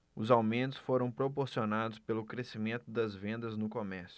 os aumentos foram proporcionados pelo crescimento das vendas no comércio